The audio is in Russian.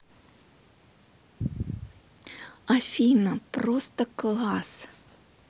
афина просто класс